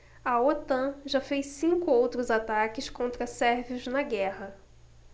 a otan já fez cinco outros ataques contra sérvios na guerra